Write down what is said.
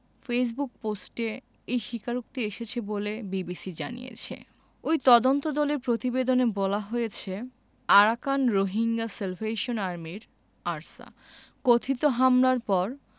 Facebook পোস্টে এই স্বীকারোক্তি এসেছে বলে বিবিসি জানিয়েছে ওই তদন্তদলের প্রতিবেদনে বলা হয়েছে আরাকান রোহিঙ্গা স্যালভেশন আর্মির আরসা কথিত হামলার পর